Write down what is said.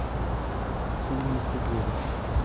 фильм на пределе